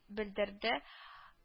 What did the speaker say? Белдерде